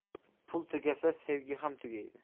pul tugasa sevgi ham tugaydi